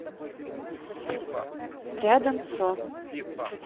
рядом со